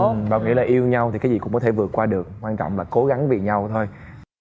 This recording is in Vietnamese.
bảo nghĩ là yêu nhau thì cái gì cũng có thể vượt qua được quan trọng là cố gắng vì nhau thôi